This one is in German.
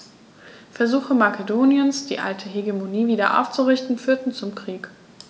Versuche Makedoniens, die alte Hegemonie wieder aufzurichten, führten zum Krieg.